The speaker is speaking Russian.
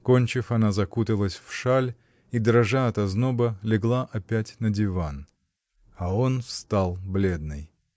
Кончив, она закуталась в шаль и, дрожа от озноба, легла опять на диван. А он встал бледный.